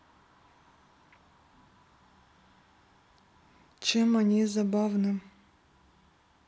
чем они забавны